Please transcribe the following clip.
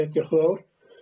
diolch yn fowr.